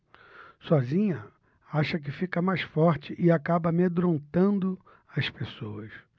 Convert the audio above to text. sozinha acha que fica mais forte e acaba amedrontando as pessoas